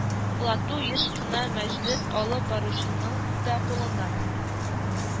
Лату еш кына мәҗлес алып баручының да кулыннан